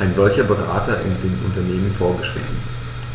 ein solcher Berater in den Unternehmen vorgeschrieben.